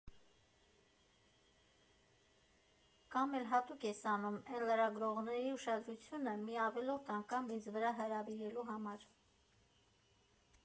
Կամ էլ հատուկ ես անում, էն լրագրողների ուշադրությունը մի ավելորդ անգամ ինձ վրա հրավիրելու համար։